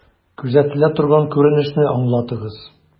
Күзәтелә торган күренешне аңлатыгыз.